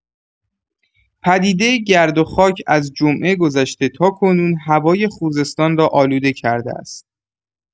پدیده گرد و خاک از جمعه گذشته تا کنون هوای خوزستان را آلوده کرده است.